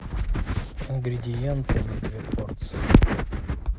ингредиенты на две порции